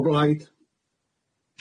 O Blaid.